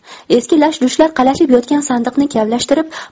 eski lash lushlar qalashib yotgan sandiqni kavlashtirib